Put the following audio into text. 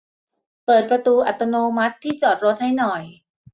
เปิดประตูอัตโนมัติที่จอดรถให้หน่อย